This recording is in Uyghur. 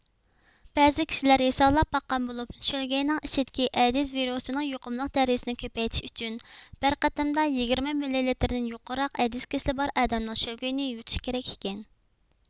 بەزى كىشىلەر ھېسابلاپ باققان بولۇپ شۆلگەينىڭ ئىچىدىكى ئەيدىز ۋىرۇسىنىڭ يۇقۇملۇق دەرىجىسنى كۆپەيتىش ئۈچۈن بىر قېتىمدا يىگىرمە مىللىلىتىردىن يۇقىرىراق ئەيدىز كېسىلى بار ئادەمنىڭ شۆلگىيىنى يۇتۇش كېرەك ئىكەن